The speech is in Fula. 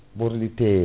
ɓorlite